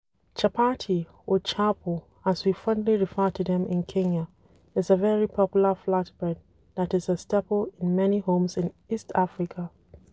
Chapati or “chapo” as we fondly refer to them in Kenya, is a very popular flat bread that is a staple in many homes in East Africa.